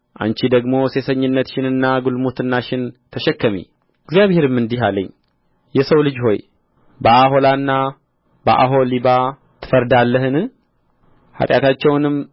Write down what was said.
አንቺ ደግሞ ሴሰኝነትሽንና ግልሙትናሽን ተሸከሚ እግዚአብሔርም እንዲህ አለኝ የሰው ልጅ ሆይ በኦሖላና በኦሖሊባ ትፈርዳለህን ኃጢአታቸውንም